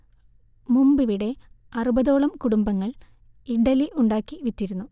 മുമ്പിവിടെ അറുപതോളം കുടുംബങ്ങൾ ഇഡ്ഢലി ഉണ്ടാക്കി വിറ്റിരുന്നു